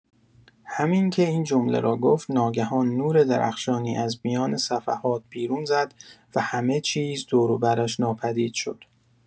همین که این جمله را گفت، ناگهان نور درخشانی از میان صفحات بیرون زد و همه‌چیز دور و برش ناپدید شد.